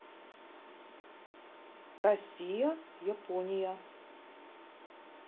россия япония